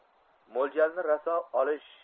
mo'ljalni raso olish